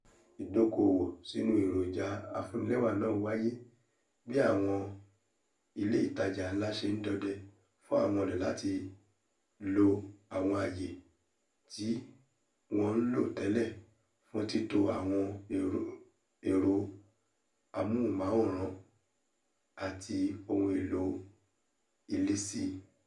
Ìdókòòwò sínú èròjà afúnnilẹ́wà náà ńwáyé bí àwọn ilé ìtajà ńlá ṣe ńdọdẹ fún àwọn ọ̀nà láti lo àwọn àayè tí wọn ńlò tẹ́lẹ̀ fún títo àwọn ẹ̀rọ amóhùnmáwòrán àti ohun èlò ilé sí.